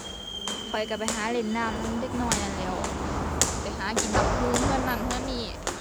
ข้อยก็ไปหาเล่นน้ำนำเด็กน้อยนั้นแหล้ว ไปหากินตำบักหุ่งก็นั้นก็นี้